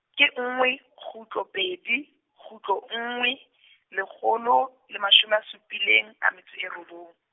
ke nngwe kgutlo pedi, kgutlo nngwe, lekgolo, le mashome a supileng a metso e robong.